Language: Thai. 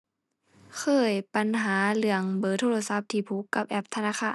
เคย ปัญหาเรื่องเบอร์โทรศัพท์ที่ผูกกับแอปธนาคาร